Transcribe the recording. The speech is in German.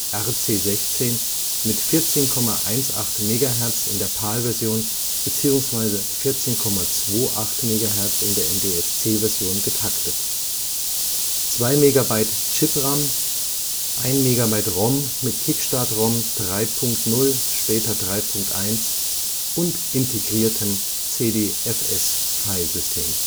68EC020RC16) mit 14,18 MHz (PAL-Version) bzw. 14,28 MHz (NTSC-Version) 2 MB Chip-RAM 1 MB ROM mit Kickstart ROM 3.0 (später 3.1) und integriertem cdfs.filesystem